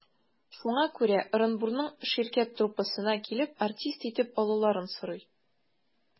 Шуңа күрә Ырынбурның «Ширкәт» труппасына килеп, артист итеп алуларын сорый.